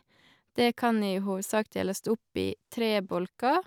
Det kan i hovedsak deles opp i tre bolker.